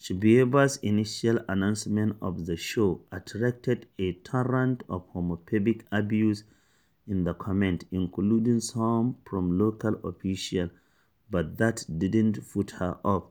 Shabuyeva’s initial announcement of the show attracted a torrent of homophobic abuse in the comments, including some from local officials, but that didn’t put her off,